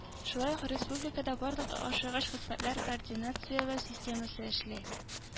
Шулай ук республикада барлык ашыгыч хезмәтләр координацияләү системасы эшли.